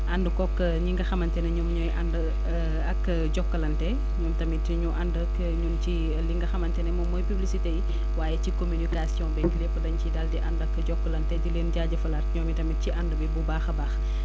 ànd koog ñi nga xamante ne ñoom ñooy ànd ak Jokalante ñoom tamit ñu ànd ak ñun ci li nga xamante ne moom mooy publicité yi waaye ci communication beeg yëpp dañ ci daal di ànd ak Jokalante di leen jaajëfalaat ñoom it ci ànd bi bu baax a baax